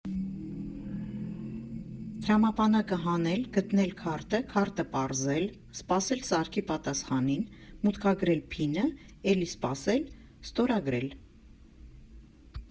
Դրամապանակը հանել, գտնել քարտը, քարտը պարզել, սպասել սարքի պատասխանին, մուտքագրել փինը, էլի սպասել, ստորագրել։